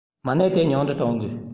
མ གནས དེ ཉུང དུ གཏོང དགོས